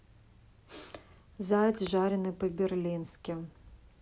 заяц жареный по берлински